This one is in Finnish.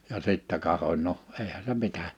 ja sitten katsoin no eihän se mitä